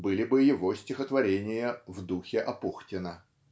были бы его стихотворения -- в духе Апухтина.